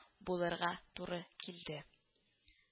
Булырга туры килде